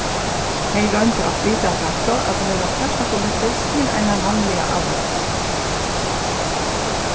tey royndu at flyta tað frá at vera partapolitiskt til eina vanliga avís